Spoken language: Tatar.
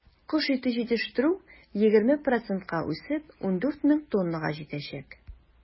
Кош ите җитештерү, 20 процентка үсеп, 14 мең тоннага җитәчәк.